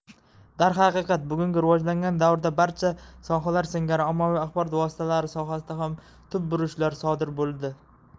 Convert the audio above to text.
darhaqiqat bugungi rivojlangan davrda barcha sohalar singari ommaviy axborot vositalari sohasida ham tub burilishlar sodir bo'ldi